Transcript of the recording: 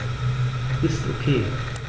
Ist OK.